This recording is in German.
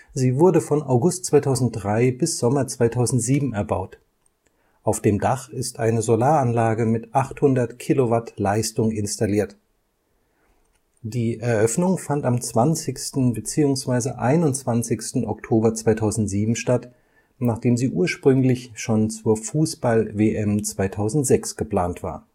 Sie wurde von August 2003 bis Sommer 2007 erbaut. Auf dem Dach ist eine Solaranlage mit 800 kW Leistung installiert. Die Eröffnung fand am 20. / 21. Oktober 2007 statt, nachdem sie ursprünglich schon zur Fußball-WM 2006 geplant war